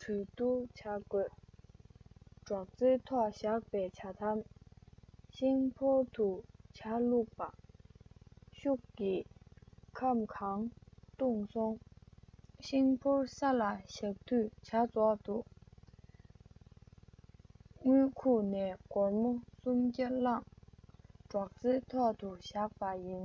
དང གྲོས བསྡུར བྱ དགོས སྒྲོག ཙེའི ཐོག བཞག པའི ཇ དམ ཤིང ཕོར དུ ཇ བླུགས པ ཤུགས ཀྱིས ཁམ གང བཏུངས སོང ཤིང ཕོར ས ལ བཞག དུས ཇ རྫོགས འདུག དངུལ ཁུག ནས སྒོར མོ གསུམ བརྒྱ བླངས སྒྲོག ཙེའི ཐོག ཏུ བཞག པ ཡིན